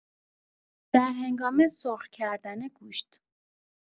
در هنگام سرخ کردن گوشت